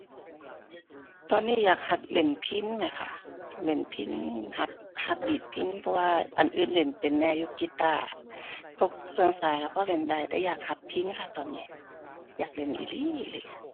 ตอนนี้อยากหัดเล่นพิณแหมค่ะ เล่นพิณ หัด หัดดีดพิณ เพราะว่าอันอื่นเล่นเป็นแหน่อยู่ กีตาร์ พวกเครื่องสายก็พอเล่นได้ แต่อยากหัดพิณค่ะ ตอนนี้ อยากเล่นอีหลีอีหลี